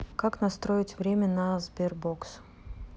как настроить время на sberbox